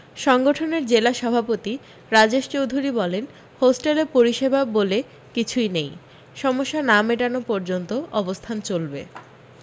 সংগঠনের জেলা সভাপতি রাজেশ চোধুরী বলেন হোস্টেলে পরিষেবা বলে কিছুই নেই সমস্যা না মেটানো পর্যন্ত অবস্থান চলবে